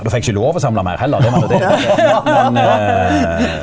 og då fekk eg ikkje lov å samla meir heller det var nå det men .